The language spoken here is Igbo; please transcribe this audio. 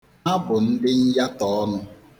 Ha bụ ndị myatọ ọnụ.